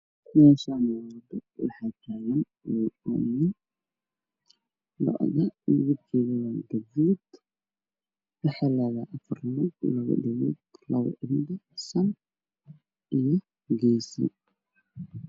Meeshaan waxaa taagan lo midabkeedu waa guduud qaarna waa madoow waxayna taagan yihiin meel laami ah